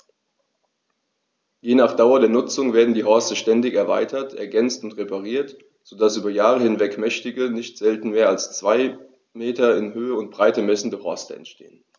Je nach Dauer der Nutzung werden die Horste ständig erweitert, ergänzt und repariert, so dass über Jahre hinweg mächtige, nicht selten mehr als zwei Meter in Höhe und Breite messende Horste entstehen.